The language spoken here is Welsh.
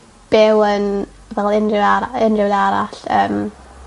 byw yn fel yn unryw ara- unryw le arall yym